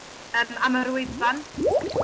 Yym ar y wyddfan?